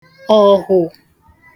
ọ̀hụụ̀